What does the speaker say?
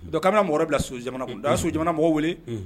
Dɔnku kabini mɔgɔ bila su jamana kun da su jamana mɔgɔ wele